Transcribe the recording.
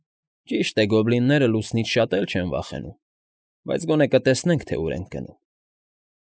Ճիշտ է, գոբլինները լուսնից շատ էլ չեն վախենում, բայց գոնե կտեսնենք, թե ուր ենք գնում։